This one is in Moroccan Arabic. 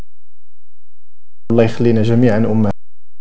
الله يخلي لنا جميعا